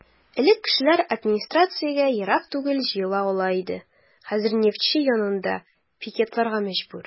Элек кешеләр администрациягә ерак түгел җыела ала иде, хәзер "Нефтьче" янында пикетларга мәҗбүр.